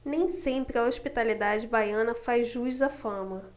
nem sempre a hospitalidade baiana faz jus à fama